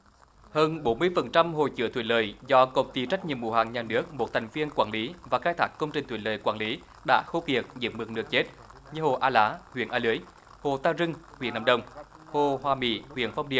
hơn bốn mươi phần trăm hồ chứa thủy lợi do công ty trách nhiệm hữu hạn nhà nước một thành viên quản lý và khai thác công trình thủy lợi quản lý đã khô kiệt dưới mực nước chết như hồ a lá huyện a lưới hồ ta rưng huyện nam đông hồ hòa mỹ huyện phong điền